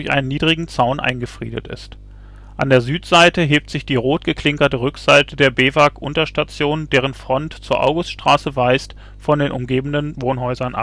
einem niedrigen Zaun eingefriedet ist. An der Südseite hebt sich die rotgeklinkerte Rückseite der BEWAG-Unterstation, deren Front zur Auguststraße weist, von der umgebenden Wohnbebauung ab